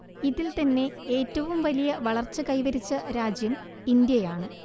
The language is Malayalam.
ഇതിൽ തന്നെ ഏറ്റവും വലിയ വളർച്ച കൈവരിച്ച രാജ്യം ഇന്ത്യയാണ്